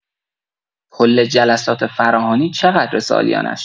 کل جلسات فراهانی چقدره سالیانش؟